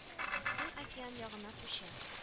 Тын океан ягына күчә